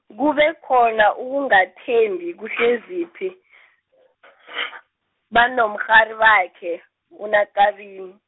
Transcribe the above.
kube khona ukungathembi kuHleziphi , banomrharibakhe, uNaKabini.